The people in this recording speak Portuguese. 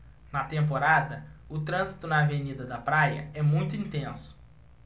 na temporada o trânsito na avenida da praia é muito intenso